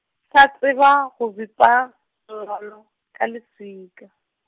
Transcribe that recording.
sa tseba, go bipa, ngolo ka leswika.